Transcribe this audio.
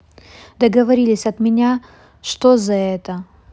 договорились от меня что за это